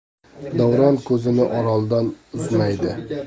davron ko'zini oroldan uzmaydi